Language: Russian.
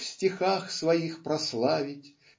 в стихах своих прославить